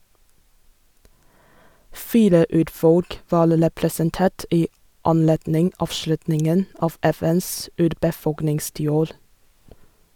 Fire urfolk var representert i anledning avslutningen av FNs urbefolkningstiår.